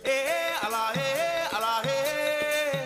Ehe Ala ehe Ala eheeee